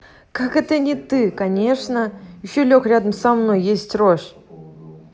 как это не ты конечно еще лег рядом со мной есть рожь